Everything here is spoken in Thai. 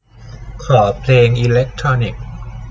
ขอเพลงอิเลกโทรนิค